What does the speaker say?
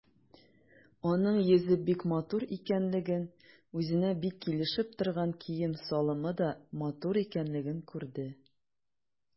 Аның йөзе бик матур икәнлеген, үзенә бик килешеп торган кием-салымы да матур икәнлеген күрде.